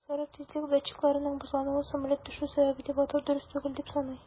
Гусаров тизлек датчикларының бозлануын самолет төшү сәбәбе дип атау дөрес түгел дип саный.